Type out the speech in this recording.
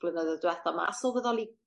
blynyddoedd dwetha 'ma a sylweddoli